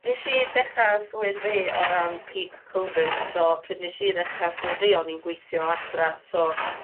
Nesh i dechra swydd fi o ran peak covid so pryd nesh i ddechra swydd fi o'n i'n gweithio o adra so